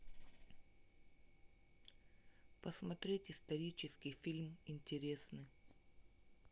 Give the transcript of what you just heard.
посмотреть исторический фильм интересный